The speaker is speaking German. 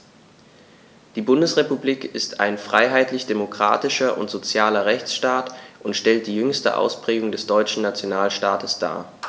Die Bundesrepublik ist ein freiheitlich-demokratischer und sozialer Rechtsstaat und stellt die jüngste Ausprägung des deutschen Nationalstaates dar.